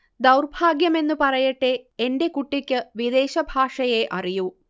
ദൗർഭാഗ്യമെന്നു പറയട്ടെ, 'എന്റെ കുട്ടിക്ക് വിദേശഭാഷയേ അറിയൂ'